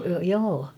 joo